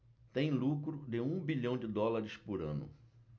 tem lucro de um bilhão de dólares por ano